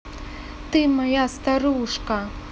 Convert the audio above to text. ты моя старушка